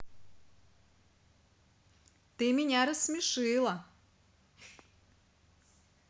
ты меня рассмешила